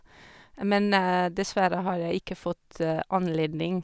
Men dessverre har jeg ikke fått anledning.